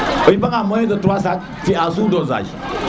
o yipa nga moins de 3 sacs fi'a sous dosage